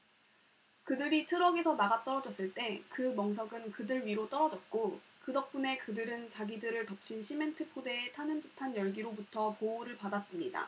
그들이 트럭에서 나가떨어졌을 때 그 멍석은 그들 위로 떨어졌고 그 덕분에 그들은 자기들을 덮친 시멘트 포대의 타는 듯한 열기로부터 보호를 받았습니다